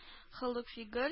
Холык-фигыль